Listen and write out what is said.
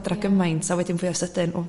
adra gymaint a wedyn fwya sydyn o